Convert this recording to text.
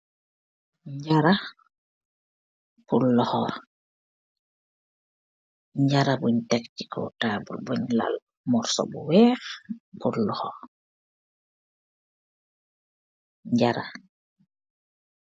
Njaara pur loho la. Njaara bun tek chi kaw table, bun lal morso bu wehh pur loho, Njaara.